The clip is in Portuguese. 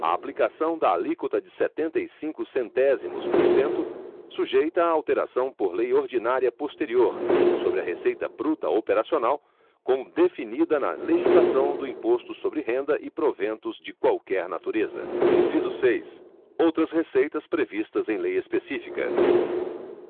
a aplicação da alíquota de setenta e cinco centésimos por cento sujeita a alteração por lei ordinária posterior sobre a receita bruta operacional como definida na legislação do imposto sobre renda e proventos de qualquer natureza inciso seis outras receitas previstas em lei específica